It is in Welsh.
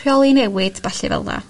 rheoli newid ballu fel 'na.